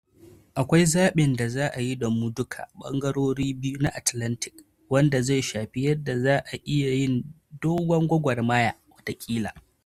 Akwai zaɓin da za a yi da mu duka a bangarorin biyu na Atlantic wanda zai shafi yadda za a iya yin dogon gwagwarmaya wata kila.